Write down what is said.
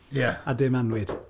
Ia... a dim annwyd.